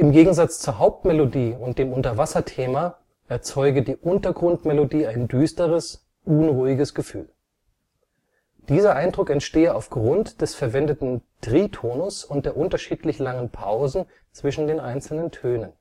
Gegensatz zur Hauptmelodie und dem Unterwasser-Thema erzeuge die Untergrund-Melodie ein düsteres, unruhiges Gefühl. Dieser Eindruck entstehe aufgrund des verwendeten Tritonus und der unterschiedlich langen Pausen zwischen den einzelnen Tönen